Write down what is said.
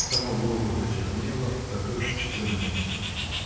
Сама Волга почернела, готовясь замерзнуть.